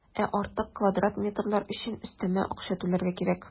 Ә артык квадрат метрлар өчен өстәмә акча түләргә кирәк.